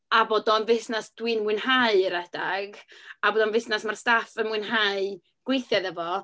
A bod o'n fusnes dwi'n mwynhau redeg, a bod o'n fusnes ma'r staff yn mwynhau gweithio iddo fo.